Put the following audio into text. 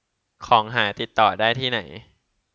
ของหายติดต่อได้ที่ไหน